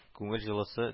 Күңел җылысы